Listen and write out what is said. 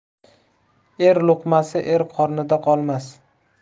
er luqmasi er qornida qolmas